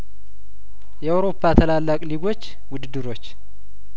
የአውሮፓ ታላላቅ ሊጐች ውድድሮች